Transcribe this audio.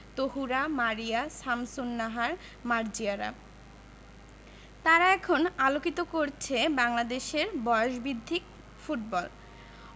তহুরা মারিয়া শামসুন্নাহার মার্জিয়ারা তারা এখন আলোকিত করছে বাংলাদেশের বয়সভিত্তিক ফুটবল